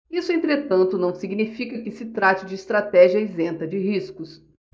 isso entretanto não significa que se trate de estratégia isenta de riscos